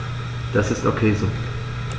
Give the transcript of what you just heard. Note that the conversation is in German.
Das ist ok so.